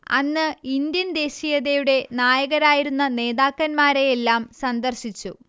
അന്ന് ഇൻഡ്യൻ ദേശീയതയുടെ നായകരായിരുന്ന നേതാക്കന്മാരെയെല്ലാം സന്ദർശിച്ചു